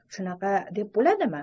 shunaqa deb bo'ladimi